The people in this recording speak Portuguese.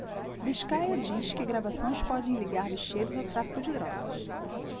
biscaia diz que gravações podem ligar bicheiros ao tráfico de drogas